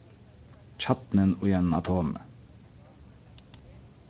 kjarnin í einum atomi